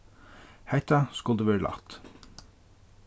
hetta skuldi verið lætt